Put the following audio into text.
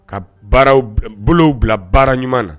Ka baara bolo bila baara ɲuman na